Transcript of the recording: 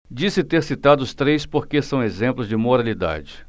disse ter citado os três porque são exemplos de moralidade